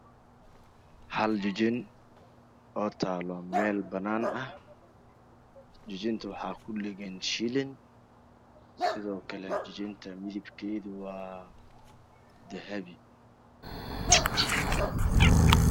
Hal jijn oo tala mel banan ah jinta wax kudhegan shilin jinta midabkedu waa dahbi